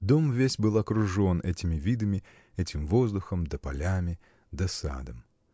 Дом весь был окружен этими видами, этим воздухом, да полями, да садом.